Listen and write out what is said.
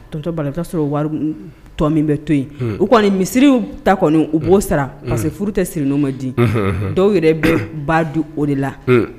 Tonton Bala i bɛ t'a sɔrɔ wari tɔ min bɛ to ye u kɔni misiriw ta kɔni u b'o sara parce que furu tɛ siri n'o man di dɔw yɛrɛ bɛ b'a di o de la.